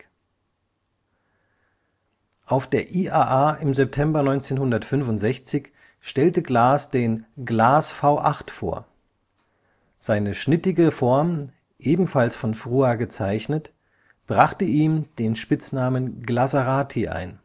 Auf der IAA im September 1965 stellte Glas den Glas V8 vor. Seine schnittige Form, ebenfalls von Frua gezeichnet, brachte ihm den Spitznamen „ Glaserati “ein